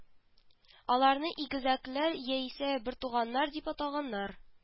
Аларны игезәкләр яисә бертуганнар дип атаганнар